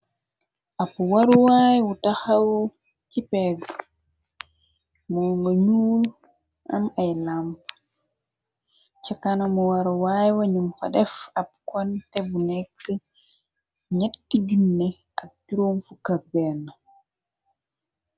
Ab waruwaay wu taxaw ci pegg, moo nga ñuun am ay làmp, ca kanamu waruwaay wa ñum fa def ab konte, bu nekk 3etk j0nne ak juróom fuk1.